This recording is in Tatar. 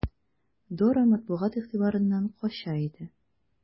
Дора матбугат игътибарыннан кача иде.